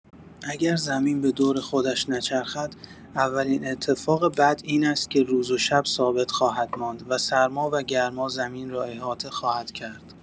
اگر زمین به دور خودش نچرخد، اولین اتفاق بد این است که روز و شب ثابت خواهد ماند و سرما و گرما زمین را احاطه خواهد کرد.